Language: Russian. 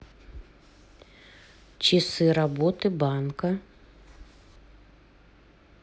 часы работы банка